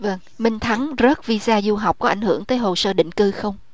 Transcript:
vâng minh thắng rớt vi da du học có ảnh hưởng tới hồ sơ định cư không